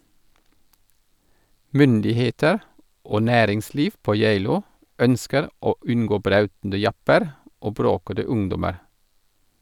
Myndigheter og næringsliv på Geilo ønsker å unngå brautende japper og bråkete ungdommer.